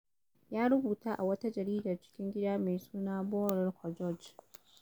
Ya rubuta a wata jaridar cikin gida mai suna Bhorer Kagoj: